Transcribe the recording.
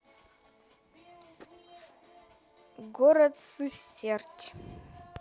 город сысерть